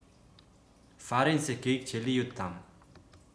ཧྥ རན སིའི སྐད ཡིག ཆེད ལས ཡོད དམ